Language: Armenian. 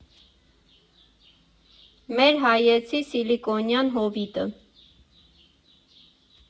Մեր հայեցի սիլիկոնյան հովիտը.